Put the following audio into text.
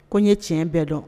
Ko n ye tiɲɛ bɛɛ dɔn